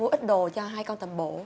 mua ít đồ cho hai con tẩm bổ